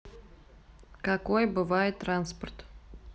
какой бывает транспорт